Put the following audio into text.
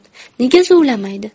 nega zuvlamaydi